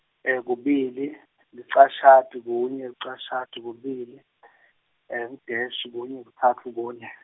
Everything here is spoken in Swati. kubili, licashata, kune, licashata, kubili , u dash, kunye, kutfatfu, kune.